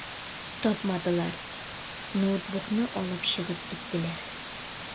Тапмадылар, ноутбукны алып чыгып киттеләр.